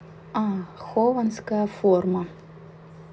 а хованская форма